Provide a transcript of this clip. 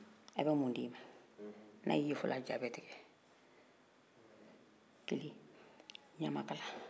n'a y'i ye fɔlɔn a ja be tigɛ kelen ɲamakala ka na to ka ta tilen i jatigi bara